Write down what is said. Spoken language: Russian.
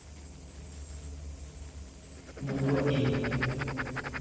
буква и